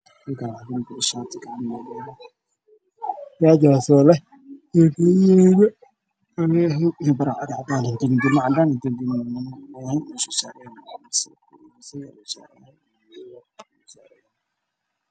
Shaati gacmo dheere bar baro guduud iyo cadaan leh